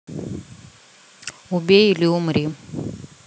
убей или умри